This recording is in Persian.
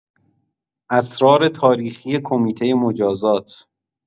اسرار تاریخی کمیته مجازات